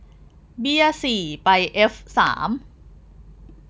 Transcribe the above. เบี้ยสี่ไปเอฟสาม